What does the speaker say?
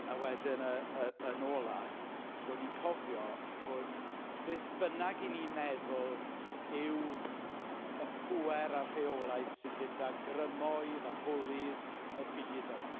A wedyn y- y- yn ola, bod ni'n cofio fod beth bynnag 'y ni'n meddwl yw y pŵer a'r rheolaeth sydd gyda grymoedd a bwlis y byd yma.